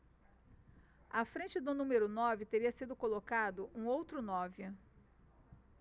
à frente do número nove teria sido colocado um outro nove